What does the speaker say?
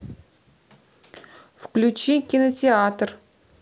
включи кинотеатр